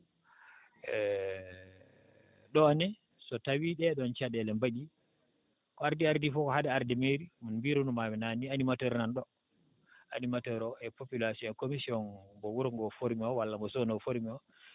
e ɗoo ne so tawii ɗee ɗoon caɗeele mbaɗii ko ardi ardi fof hade arde mairie no mbiirunomaami naane nii animateur nan ɗo animateur e population o e commussion mbo wuro ngoo forme i o walla mo zone o forme i o